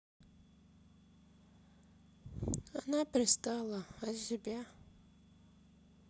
она пристала а тебя